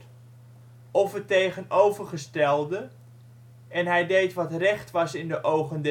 tegenovergestelde: " En hij deed wat recht was in de ogen